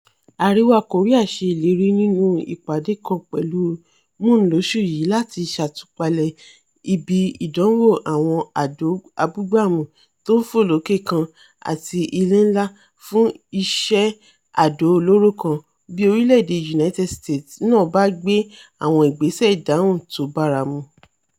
Àríwá Kòríà ṣe ìlérí nínú ìpàdé kan pẹ̀lú Moon lóṣù yìí láti ṣàtúpalẹ̀ ibi ìdánwòàwọn àdó abúgbàmu tóńfòlókè kan àti ilé ńlá fún iṣẹ́ àdó olóró kan bí orilẹ-èdè United States náà bá gbé ''àwọn ìgbésẹ̀ ìdáhùn tóbáramu.''